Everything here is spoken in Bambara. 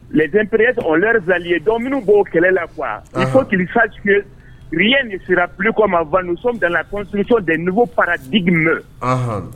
Les impériestes ont leurs alliés donc minnu b'o kɛlɛ la quoi anhan il faut qu'il sache que rien ne sera plus comme avant nous sommes dans la construction des nouveaux paradigmes anhan